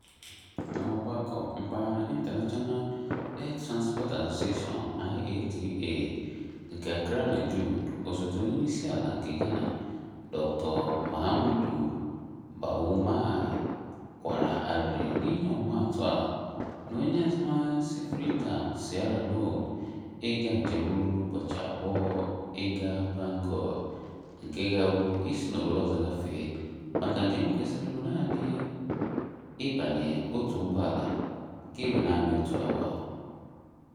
N'ọgbakọ mpaghara International Air Transport Association (IATA) nke Accra na June, osote onyeisiala nke Ghana, Dr. Mahamudu Bawumia, kwara arịrị n'inye ọmụmaatụ a, na onye azụmaahịa si Freetown [Sierra Leone] ịga njem rụrụ ụbọchị abụọ ị gá Banjul (nke ga-abụ ị sị n'obodo ọzọ gafee) maka njem kwesịrị ị bụ naanị ị banye otu ụgbọelu ga-ewe naanị otu awa."